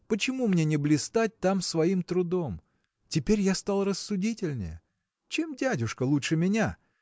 Почему мне не блистать там своим трудом?. Теперь я стал рассудительнее. Чем дядюшка лучше меня?